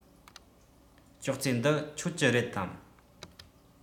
ཅོག ཙེ འདི ཁྱོད ཀྱི རེད དམ